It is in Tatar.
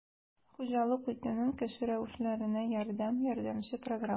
«хуҗалык итүнең кече рәвешләренә ярдәм» ярдәмче программасы